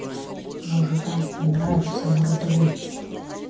мужикам нравится мордобой